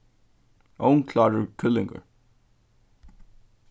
ovnklárur kyllingur